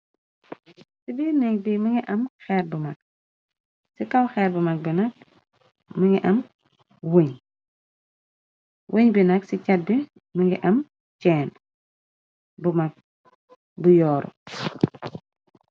ci biir nek bi mi ngi am xeer bu mag ci kaw xeer bu mag bi nag më ngi am wëñ wëñ bi nag ci caddi mingi am ceen bu mag bu yoor